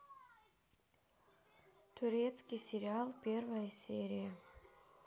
турецкий сериал первая серия